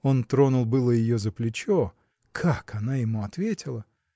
Он тронул было ее за плечо – как она ему ответила!